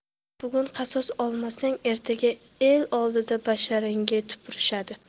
bugun qasos olmasang ertaga el oldida basharangga tupurishadi